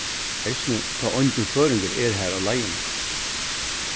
eisini tá eingin føroyingur er har á leiðini